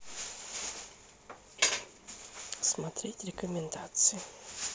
смотреть рекомендации